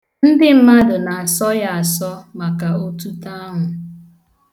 Ndị mmadụ na-asọ ya asọ maka otuto ahụ.